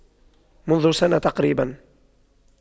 منذ سنة تقريبا